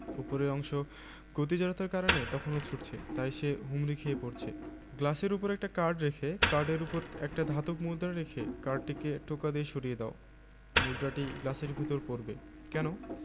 ওপরের অংশ গতি জড়তার কারণে তখনো ছুটছে তাই সে হুমড়ি খেয়ে পড়ছে গ্লাসের উপর একটা কার্ড রেখে কার্ডের উপর একটা ধাতব মুদ্রা রেখে কার্ডটিকে টোকা দিয়ে সরিয়ে দাও মুদ্রাটি গ্লাসের ভেতর পড়বে কেন